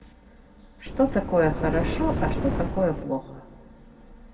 что такое хорошо а что такое плохо